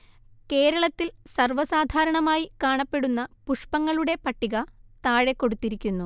കേരളത്തിൽ സർവ്വസാധാരണമായി കാണപ്പെടുന്ന പുഷ്പങ്ങളുടെ പട്ടിക താഴെ കൊടുത്തിരിക്കുന്നു